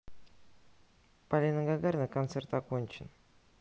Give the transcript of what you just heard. полина гагарина концерт окончен